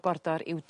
bordor i'w